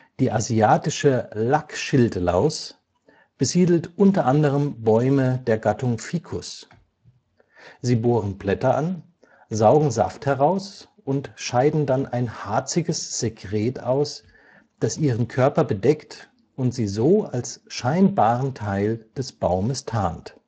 Die asiatische Lackschildlaus Tachardia lacca besiedelt u. a. Bäume der Gattung Ficus. Sie bohren Blätter an, saugen Saft heraus und scheiden dann ein harziges Sekret aus, das ihren Körper bedeckt und sie so als scheinbaren Teil des Baumes tarnt